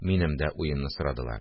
Минем дә уемны сорадылар